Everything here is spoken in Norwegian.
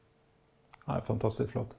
er jo fantastisk flott.